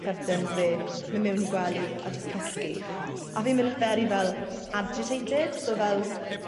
cyrtyns fi, myn' mewn i gwely a jyst cysgu. A fi'n myn' yn very fel agitated so fel